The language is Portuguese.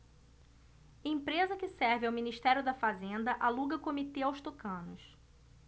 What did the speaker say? empresa que serve ao ministério da fazenda aluga comitê aos tucanos